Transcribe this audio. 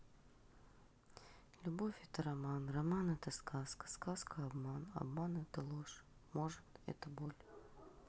любовь это роман роман это сказка сказка обман обман это ложь может это боль